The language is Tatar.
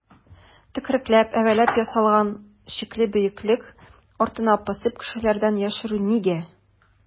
Төкерекләп-әвәләп ясалган шикле бөеклек артына посып кешеләрдән яшеренү нигә?